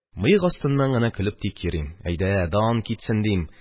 Мыек астыннан гына көлеп тик йөрим, әйдә, дан китсен, дим.